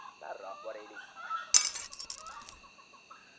nariroq boraylik